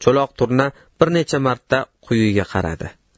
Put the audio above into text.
cho'loq turna bir necha marta quyiga qaradi